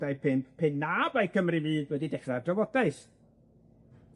dau pump pe na bai Cymru Fydd wedi dechrau'r drafodaeth?